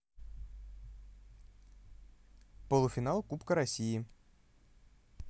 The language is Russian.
полуфинал кубка россии